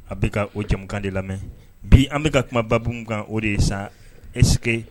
A bɛ ka o cɛkan de lamɛn bi an bɛka ka kumababugu kan o de ye sa eske